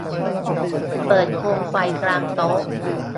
เปิดโคมไฟกลางโต๊ะ